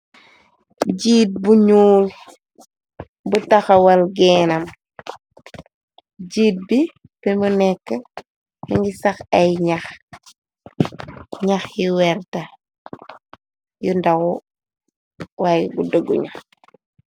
Jiit bu ñuul bu taxawal geenam, jiit bi fimu nekk nak, mu ngi sax ay ñax yi werta, yu ndaw waay bu dëggu la.